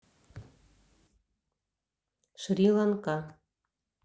шри ланка